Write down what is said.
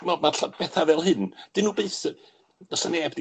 Dwi me'wl ma' ll- petha fel hyn 'dyn nw byth yy, do's 'na neb